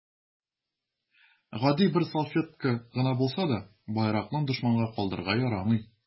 Гади бер салфетка гына булса да, байракны дошманга калдырырга ярамый.